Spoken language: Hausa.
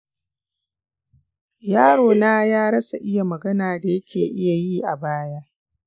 yaro na ya rasa iya magana da yake iya yi a baya.